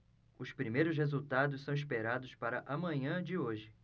os primeiros resultados são esperados para a manhã de hoje